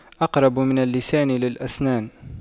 أقرب من اللسان للأسنان